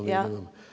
ja.